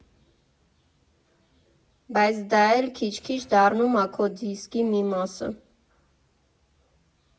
Բայց դա էլ քիչ֊քիչ դառնում ա քո դիսկի մի մասը։